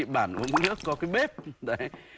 bàn uống nước có cái bếp bếp